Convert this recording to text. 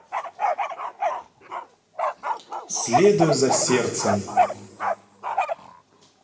следуя за сердцем